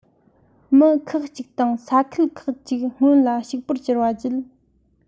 མི ཁག གཅིག དང ས ཁུལ ཁག གཅིག སྔོན ལ ཕྱུག པོར གྱུར པ བརྒྱུད